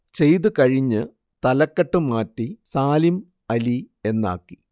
ചെയ്തു കഴിഞ്ഞു തലക്കെട്ട് മാറ്റി സാലിം അലി എന്നാക്കി